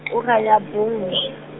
ura ya bongwe.